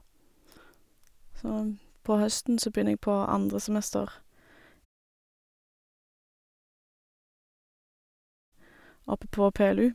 Så, på høsten så begynner jeg på andre semester oppe på PLU.